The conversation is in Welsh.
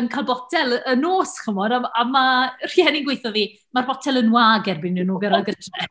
yn cael botel y nos, chimod. A mae a mae'r rhieni'n gweutho fi, "mae'r botel yn wag erbyn iddyn nhw gyrraedd gytre".